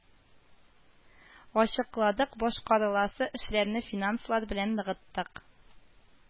Ачыкладык, башкарыласы эшләрне финанслар белән ныгыттык